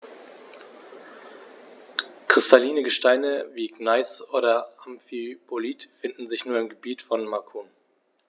Kristalline Gesteine wie Gneis oder Amphibolit finden sich nur im Gebiet von Macun.